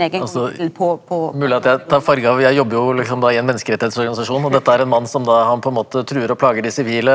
altså mulig jeg tar farge av jeg jobber jo liksom da i en menneskerettighetsorganisasjon og dette er en mann som da han på en måte truer og plager de sivile.